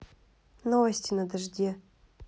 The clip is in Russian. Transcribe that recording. новости на дожде